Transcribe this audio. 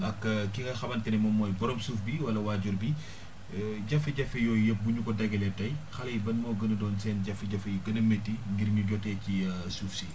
ak ki nga nga xamante ne mooy borom suuf bi wala waajur bi jafe-jafe yooyu yëpp bu ñu ko tegalee tey xale yi ban moo gën a doon seen jafe-jafe yu gën a métti ngir ñu jotee ci suuf si